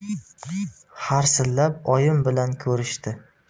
harsillab oyim bilan ko'rishdi